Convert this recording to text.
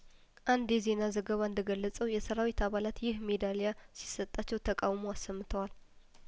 አንድ የዜና ዘገባ እንደገለጸው የሰራዊት አባላት ይህ ሜዳሊያሲ ሰጣቸው ተቃውሞ አሰምተዋል